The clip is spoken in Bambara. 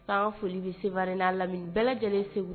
An foli bɛ se n'a lam bɛɛ lajɛlen segu